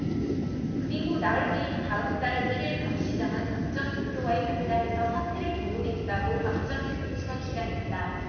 그리고 나흘 뒤인 다음 달 일 일 박 시장은 박 전 대표와의 면담에서 사퇴를 종용했다고 박 전 대표 측은 주장했다